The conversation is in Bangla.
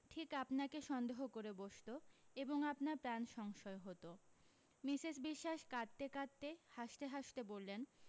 ঠিক আপনাকে সন্দেহ করে বসতো এবং আপনার প্রাণ সংশয় হতো মিসেস বিশ্বাস কাঁদতে কাঁদতে হাসতে হাসতে বললেন